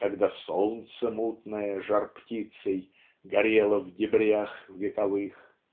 когда "солнце мутное Жар-Птицей горело в дебрях вековых"